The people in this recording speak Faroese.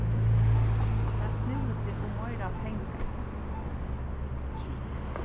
tað snúði seg um meira pengar